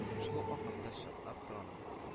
Шул ук вакытта чатнап торган